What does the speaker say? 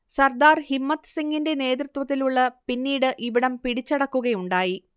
സർദാർ ഹിമ്മത്ത് സിങ്ങിന്റെ നേതൃത്വത്തിലുള്ള പിന്നീട് ഇവിടം പിടിച്ചടക്കുകയുണ്ടായി